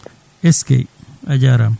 eskey a jarama